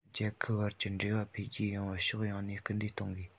རྒྱལ ཁབ བར གྱི འབྲེལ བ འཕེལ རྒྱས ཡོང བར ཕྱོགས ཡོངས ནས སྐུལ འདེད གཏོང དགོས